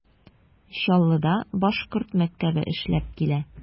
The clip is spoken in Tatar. Чаллыда башкорт мәктәбе эшләп килә.